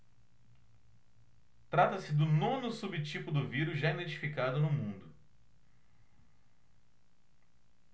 trata-se do nono subtipo do vírus já identificado no mundo